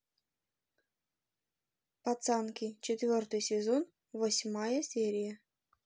пацанки четвертый сезон восьмая серия